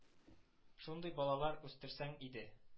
Шундый балалар үстерсәң иде